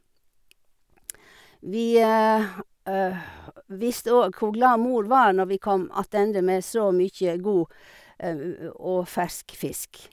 Vi visste òg hvor glad mor var når vi kom attende med så mye god ev ue og fersk fisk.